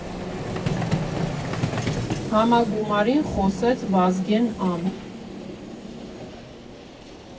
Համագումարին խոսեց Վազգեն Ա֊֊ն։